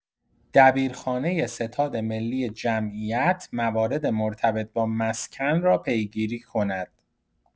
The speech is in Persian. دبیرخانه ستاد ملی جمعیت موارد مرتبط با مسکن را پیگیری کند.